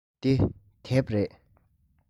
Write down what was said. འདི དེབ རེད